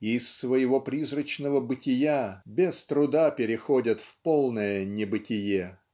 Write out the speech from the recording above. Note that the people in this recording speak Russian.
и из своего призрачного бытия без труда переходят в полное небытие.